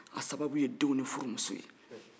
a sababu ye denw ni furumuso ye